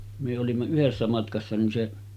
me olimme yhdessä matkassa niin se